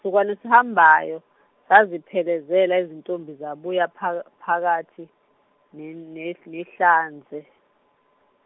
msukwana sihambayo, zasiphelezela izintombi zabuya pha- phakathi, ne- ne- nehlanze.